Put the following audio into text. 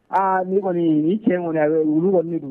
Aa ni kɔni ni cɛ kɔni a bɛ